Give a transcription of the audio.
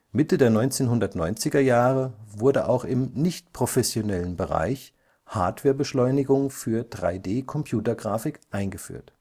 Mitte der 1990er Jahre wurde auch im nichtprofessionellen Bereich Hardwarebeschleunigung für 3D-Computergrafik eingeführt